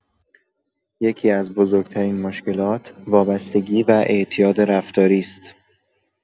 یکی‌از بزرگ‌ترین مشکلات، وابستگی و اعتیاد رفتاری است.